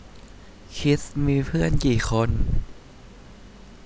คริสมีเพื่อนกี่คน